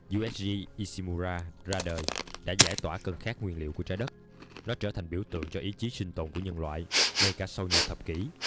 usg ishimura ra đời đã giải tỏa cơn khát nguyên liệu của trái đất nó trở thành biểu tượng cho ý chí sinh tồn của nhân loại ngay cả sau nhiều thập kỷ